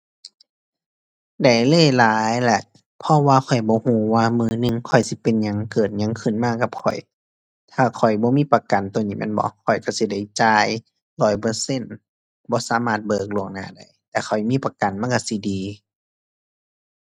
ได้เลยหลายแหละ เพราะว่าข้อยบ่รู้ว่ามื้อหนึ่งข้อยสิเป็นหยัง เกิดหยังขึ้นมากับข้อย ถ้าข้อยบ่มีประกันรู้นี้แม่นบ่ ข้อยรู้สิได้จ่ายร้อยเปอร์เซ็นต์ บ่สามารถเบิกล่วงหน้าได้ ถ้าข้อยมีประกันมันรู้สิดี